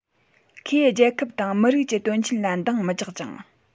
ཁོས རྒྱལ ཁབ དང མི རིགས ཀྱི དོན ཆེན ལ འདང མི རྒྱག ཅིང